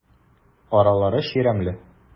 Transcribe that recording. Аралары чирәмле.